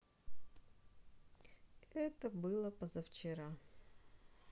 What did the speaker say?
это было позавчера